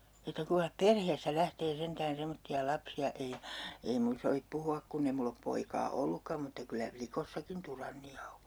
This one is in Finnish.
että kuinkas perheestä lähtee sentään semmoisia lapsia ei ei minun sovi puhua kun ei minulla ole poikaa ollutkaan mutta kyllä likoissakin tyranneja on